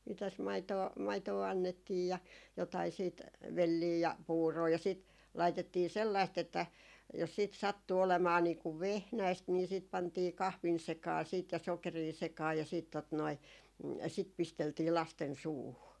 - mitäs maitoa maitoa annettiin ja jotakin sitten velliä ja puuroa ja sitten laitettiin sellaista että jos sitten sattui olemaan niin kun vehnäistä niin sitten pantiin kahvin sekaan sitten ja sokeria sekaan ja sitten tuota noin sitä pisteltiin lasten suuhun